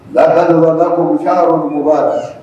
La dɔrɔn la ko' yɔrɔugu b'a la